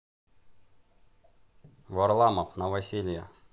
варламов новоселье